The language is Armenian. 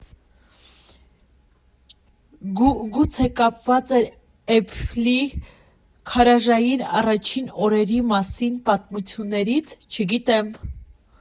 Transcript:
Գուցե կապված էր Էփփլի գարաժային առաջին օրերի մասին պատմություններից, չգիտեմ։